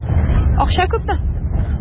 Акча күпме?